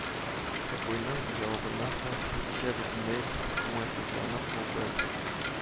Котбыйның бу җавабыннан соң Хәдичә бөтенләй уңайсызланып калды